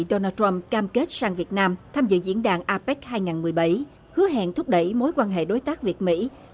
đô na trăm cam kết sang việt nam tham dự diễn đàn a pếch hai ngàn mười bảy hứa hẹn thúc đẩy mối quan hệ đối tác việt mĩ